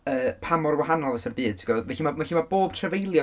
Yy, pa mor wahanol fysa'r byd? Ti'n gwybod. Felly ma', felly ma' bob trafeilio